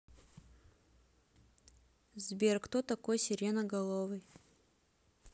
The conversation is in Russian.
сбер кто такой сиреноголовый